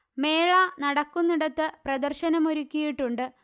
മേള നടക്കുന്നിടത്ത് പ്രദർശനമൊരുക്കിയിട്ടുണ്ട്